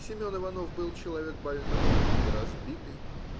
Семен Иванов был человек больной и разбитый.